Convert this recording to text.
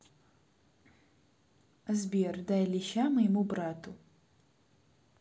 сбер дай леща моему брату